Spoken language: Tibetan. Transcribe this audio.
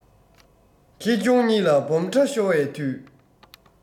ཁེ གྱོང གཉིས ལ སྦོམ ཕྲ ཤོར བའི དུས